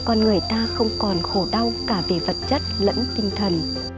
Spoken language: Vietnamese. con người ta không còn khổ đau cả về vật chất lẫn tinh thần